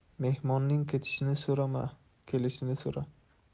mehmonning ketishini so'rama kelishini so'ra